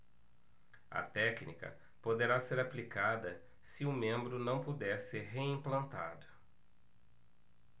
a técnica poderá ser aplicada se o membro não puder ser reimplantado